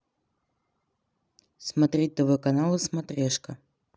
смотреть тв каналы смотрешка